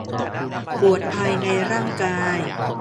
ปวดภายในร่างกาย